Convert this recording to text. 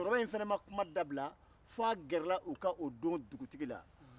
musokɔrɔ ba in fana ma kuma dabila fo a gɛrɛla u ka o don dugutigi la